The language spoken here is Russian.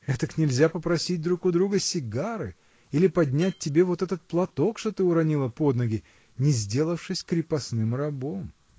Этак нельзя попросить друг у друга сигары или поднять тебе вот этот платок, что ты уронила под ноги, не сделавшись крепостным рабом!